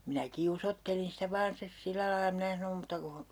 minä kiusoittelin sitä vain sitten sillä lailla minä sanoin mutta -